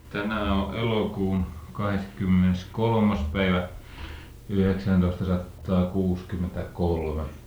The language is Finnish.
tänään on elokuun kahdeskymmeneskolmas päivä yhdeksäntoistasataa kuusikymmentäkolme